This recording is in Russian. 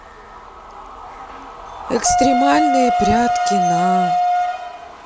экстремальные прятки на